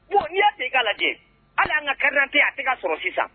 Bon sen k' lajɛ ala y'an ka kɛte a tɛgɛ ka sɔrɔ sisan